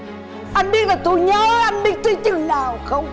anh biết là tôi nhớ anh biết tới chừng nào không